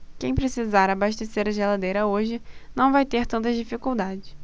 quem precisar abastecer a geladeira hoje não vai ter tantas dificuldades